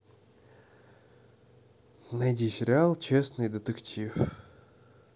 найди сериал честный детектив